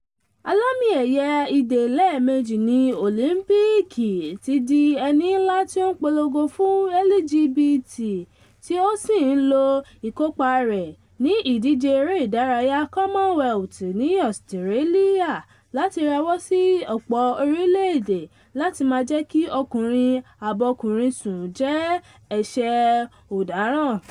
Alámì ẹ̀yẹ idẹ lẹ́ẹ̀mejì ní Òlìńpìkì ti dí ẹní ńlá tí ó ń polongo fún LGBT tí ó sì ń lò ìkópa rẹ̀ ní ìdíje eré ìdárayá Commonwealth ní Australia láti ráwọ́sí ọ̀pọ̀ orílẹ̀ èdè láti má jẹ́ kí ọ̀kunrin abọ́kùnrínsùn jẹ́ ẹ̀ṣẹ̀ ọ̀dáran.